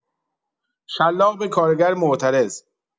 شلاق به کارگر معترض